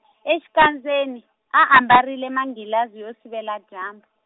exikandzeni, a ambarile manghilazi yo sivela dyambu.